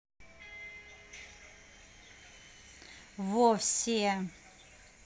вовсе